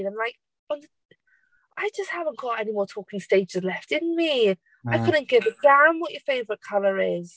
I'm like... ond I just haven't got any more talking stages left in me... Na. ...I couldn't give a damn what your favourite colour is.